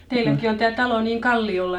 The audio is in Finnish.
teilläkin on tämä talo niin kalliolla